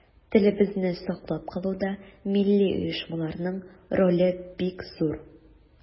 Телебезне саклап калуда милли оешмаларның роле бик зур.